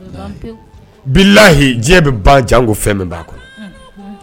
Bɛ ban pewu bilahi diɲɛ bɛ ban janko fɛn min b'a kɔnɔ unhun